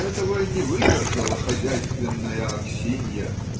Этого не выдержала хозяйственная Аксинья